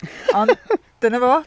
Ond dyna fo!